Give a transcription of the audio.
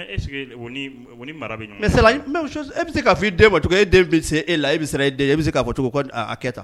E bɛ se k'a fɔ i den ma tɔgɔ e den bɛ se e la e bɛ e den e bɛ se k'a fɔ cogo kɛ tan